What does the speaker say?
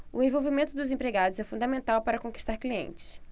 o envolvimento dos empregados é fundamental para conquistar clientes